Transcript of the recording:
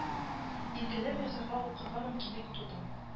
Иркенләп язарга укырга мөмкинлек туды